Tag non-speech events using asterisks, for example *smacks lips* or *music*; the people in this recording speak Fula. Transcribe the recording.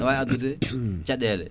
wawi addude caɗele *smacks lips*